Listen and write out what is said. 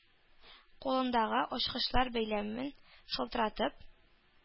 Кулындагы ачкычлар бәйләмен шалтыратып,